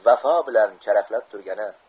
vafo bilan charaqlab turgani